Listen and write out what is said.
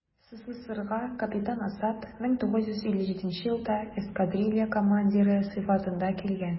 СССРга капитан Асад 1957 елда эскадрилья командиры сыйфатында килгән.